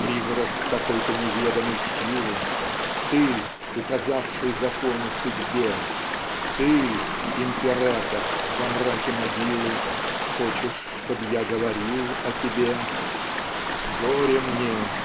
Призрак какой-то неведомой силы Ты ль указавший законы судьбе Ты ль император во мраке могилы Хочешь чтоб я говорил о тебе? Горе мне!